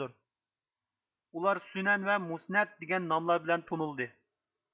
ئۇلار سۈنەن ۋە مۇسنەد دىگەن ناملار بىلەن تونۇلدى